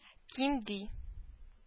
Ким ди